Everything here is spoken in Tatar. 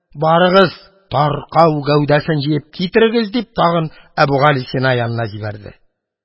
Барыгыз, таркау гәүдәсен җыеп китерегез! – дип, тагын Әбүгалисина янына җибәрде.